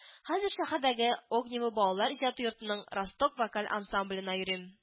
Хәзер шәһәрдәге Огниво балалар иҗаты йортының Росток вокаль ансамбленә йөрим